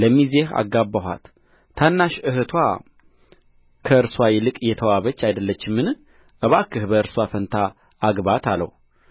ለሚዜህ አጋባኋፅት ታናሽ እኅትዋ ከርስዋ ይልቅ የተዋበች አይደለችምን እባክህ በእርስዋ ፋንታ አግባት አለው